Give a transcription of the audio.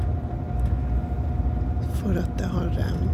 For at jeg har...